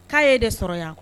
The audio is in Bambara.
K'a' de sɔrɔ yan